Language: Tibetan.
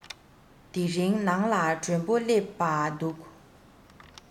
དེ རིང ནང ལ མགྲོན པོ སླེབས འདུག